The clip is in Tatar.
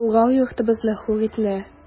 Болгар йортыбызны хур итмә!